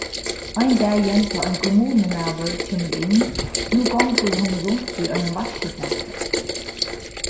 ein dagin tá ein kommunumaður kemur inn nú gongur hon runt við einum vaskifati